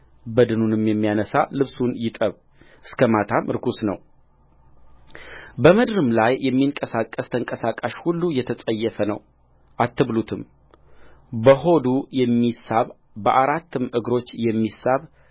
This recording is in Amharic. በድኑንም የሚያነሣ ልብሱን ይጠብ እስከ ማታም ርኩስ ነውበምድርም ላይ የሚንቀሳቀስ ተንቀሳቃሽ ሁሉ የተጸየፈ ነው አትብሉትምበሆዱ የሚሳብ በአራትም እግሮች የሚሳብ